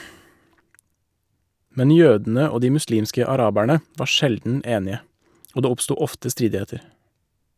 Men jødene og de muslimske araberne var sjelden enige, og det oppsto ofte stridigheter.